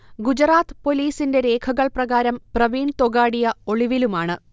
ഗുജറാത്ത് പൊലീസിന്റെ രേഖകൾപ്രകാരം പ്രവീൺ തൊഗാഡിയ ഒളിവിലുമാണ്